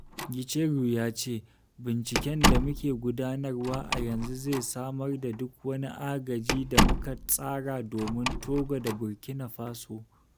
Gicheru ya ce,'' Binciken da muke gudanarwa a yanzu zai sanar da duk wani agaji da muka tsara domin Togo da Burkina Faso''